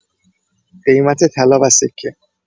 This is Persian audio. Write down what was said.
قیمت طلا و سکه